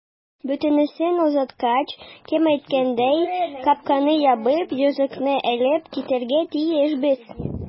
Бөтенесен озаткач, кем әйткәндәй, капканы ябып, йозакны элеп китәргә тиешбез.